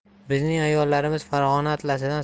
bizning ayollarimiz farg'ona atlasidan